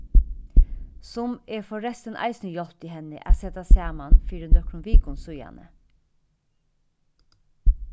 sum eg forrestin eisini hjálpti henni at seta saman fyri nøkrum vikum síðani